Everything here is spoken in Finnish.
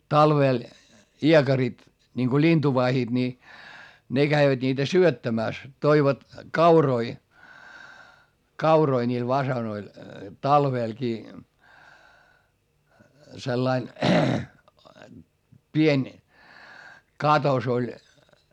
talvella iekarit niin kun lintuvahdit niin ne kävivät niitä syöttämässä toivat kauroja kauroja niille fasaaneille talvellakin sellainen pieni katos oli